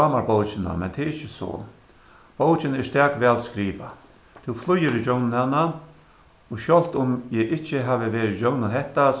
dámar bókina men tað er ikki so bókin er stak væl skrivað tú flýgur ígjøgnum hana og sjálvt um eg ikki havi verið ígjøgnum hetta